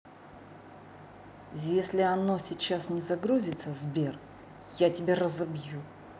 если оно сейчас не загрузится сбер я тебя разобью